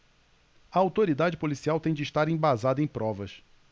a autoridade policial tem de estar embasada em provas